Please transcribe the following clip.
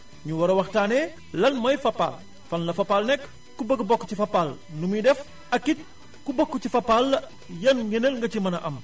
ñu war a waxtaanee lan mooy Fapal fan la Fapal nekk ku bëgg a bokk ci Fapal nu muy def ak it ku bokk ci Fapal yan ngënéel nga ci mun a am